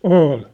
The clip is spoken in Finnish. oli